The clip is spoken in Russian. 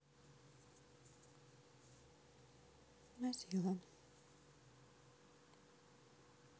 мазила